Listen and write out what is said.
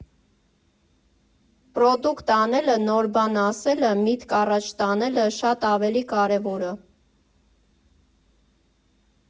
Պրոդուկտ անելը, նոր բան ասելը, միտքը առաջ տանելը շատ ավելի կարևոր ա։